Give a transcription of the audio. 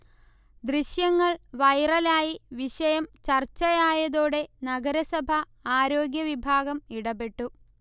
ദൃശ്യങ്ങൾ വൈറലായി വിഷയം ചർച്ചയായതോടെ നഗരസഭാ ആരോഗ്യവിഭാഗം ഇടപെട്ടു